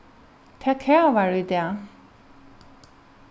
tað kavar í dag